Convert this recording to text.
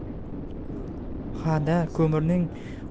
hada ko'mirning qorasi